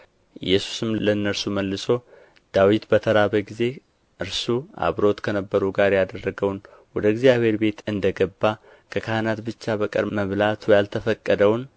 ኢየሱስም ለእነርሱ መልሶ ዳዊት በተራበ ጊዜ እርሱ አብረውት ከነበሩ ጋር ያደረገውን ወደ እግዚአብሔር ቤት እንደ ገባ ከካህናት ብቻ በቀር መብላቱ ያልተፈቀደውን